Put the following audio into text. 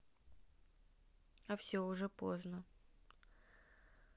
а все уже поздно